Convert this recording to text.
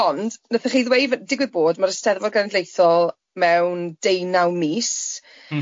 Ond wnaethon chi ddweud f- digwydd bod ma'r Eisteddfod Genedlaethol mewn deunaw mis... M-hm.